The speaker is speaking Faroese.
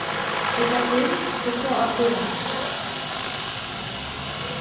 trýst á fimm og so á fýrakant